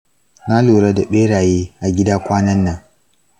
na lura da beraye a gida kwanan nan.